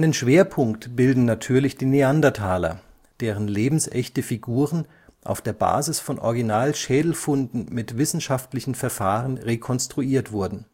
Schwerpunkt bilden natürlich die Neandertaler, deren lebensechte Figuren auf der Basis von Original-Schädelfunden mit wissenschaftlichen Verfahren rekonstruiert wurden